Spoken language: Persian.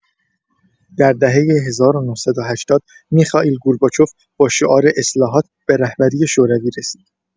در دهه ۱۹۸۰ میخائیل گورباچف با شعار اصلاحات به رهبری شوروی رسید.